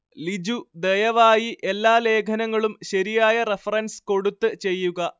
ലിജു ദയവായി എല്ലാ ലേഖനങ്ങളും ശരിയായ റെഫറൻസ് കൊടുത്ത് ചെയ്യുക